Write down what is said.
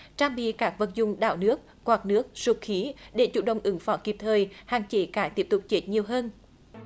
trang bị các vật dụng đảo nước quạt nước sục khí để chủ động ứng phó kịp thời hạn chế cá tiếp tục chết nhiều hơn